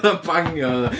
Bangio, fatha.